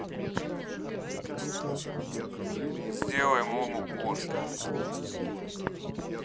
сделай мому позже